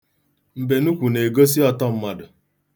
Mbenuukwu na-egosi ọtọ mmadụ.